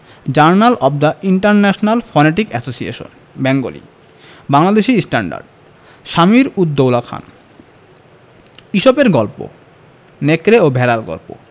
journal of the International Phonetic Association Bengali Bangladeshi standard Samir ud Doula Khan ইসপের গল্প নেকড়ে ও ভেড়ার গল্প